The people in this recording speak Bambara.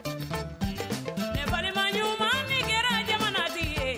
Den ɲuman ni kɛra ɲatigi ye